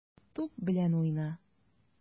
Туп белән уйна.